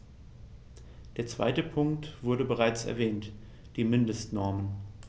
Der zweite Punkt wurde bereits erwähnt: die Mindestnormen.